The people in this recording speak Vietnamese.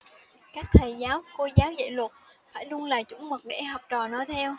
các thầy giáo cô giáo dạy luật phải luôn là chuẩn mực để học trò noi theo